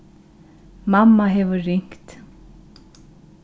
mamma hevur ringt